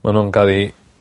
ma' nw'n ga'l 'u